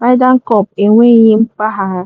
Ryder Cup enweghị mgbagha.